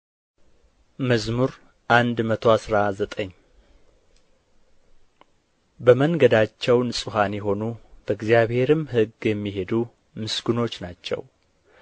መዝሙር መቶ አስራ ዘጠኝ በመንገዳቸው ንጹሐን የሆኑ በእግዚአብሔርም ሕግ የሚሄዱ ምስጉኖች ናቸው